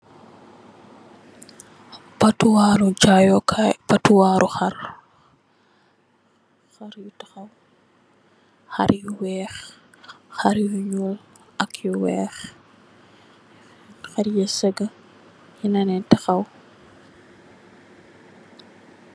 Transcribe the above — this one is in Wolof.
Potu waru jayokai potuwaru xarr xarr yu taxaw xarr yu nyul ak yu wekh xarr yu Sega yenenyi taxaw.